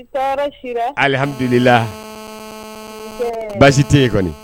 Sera alihamdulila baasi tɛ yen kɔni